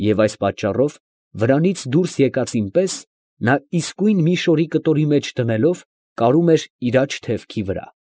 Եվ այս պատճառով վրանից դուրս եկածին պես, նա իսկույն մի շորի կտորի մեջ դնելով, կարում էր իր աջ թևքի վրա։